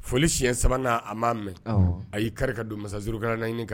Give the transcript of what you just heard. Foli siɲɛ sabanan a' mɛn a y'i kari ka don masajurukkara naani ɲini